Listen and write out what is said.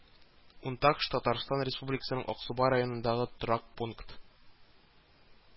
Унтакш Татарстан Республикасының Аксубай районындагы торак пункт